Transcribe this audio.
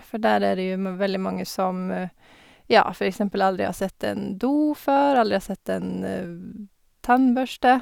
For der er det jo me veldig mange som, ja, for eksempel aldri har sett en do før, aldri har sett en tannbørste.